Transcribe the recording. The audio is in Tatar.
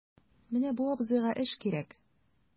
Менә бу абзыйга эш кирәк...